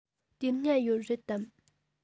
དེ སྔ ཡོད རེད དམ